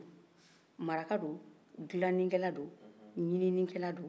maraka don dilanin kɛla don ɲinin kɛla don